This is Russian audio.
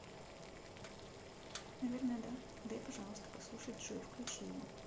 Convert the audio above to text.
наверное да дай пожалуйста послушать джой включи ее